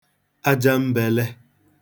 ajambēlē